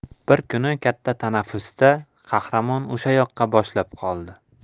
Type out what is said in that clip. bir kuni katta tanaffusda qahramon o'sha yoqqa boshlab qoldi